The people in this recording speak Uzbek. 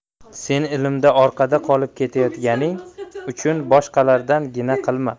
sen ilmda orqada qolib ketayotganing uchun boshqalardan gina qilma